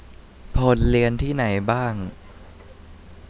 พลเรียนที่ไหนบ้าง